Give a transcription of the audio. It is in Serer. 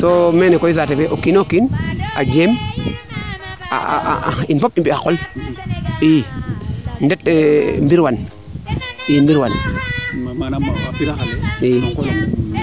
soo mene koy saate fe o kiino kiin a jeem in fop i mbi xa qol i ndet ngir wan i ngirwan